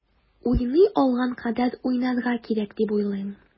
Уйный алган кадәр уйнарга кирәк дип уйлыйм.